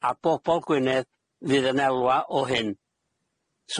a bobol Gwynedd fydd yn elwa o hyn.